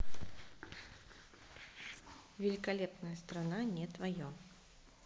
великолепная страна не твое